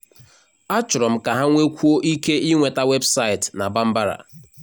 Achọrọ m ka ha nwee kwuo ike ịnweta webụsaịtị na Bambara.